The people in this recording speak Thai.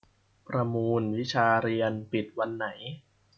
ประมูลวิชาเรียนปิดวันไหน